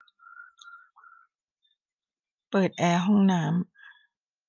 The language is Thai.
เปิดแอร์ห้องน้ำ